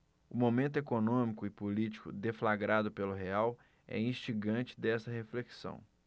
o momento econômico e político deflagrado pelo real é instigante desta reflexão